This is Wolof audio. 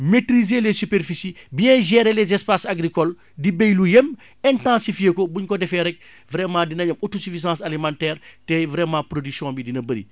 maitriser les superficies bien gérer les espaces agricoles di bay lu yam intensifier ko buñ ko defee rekk vraiment dinañ am autosuffisance alimentaire te vraiment production bi dina bari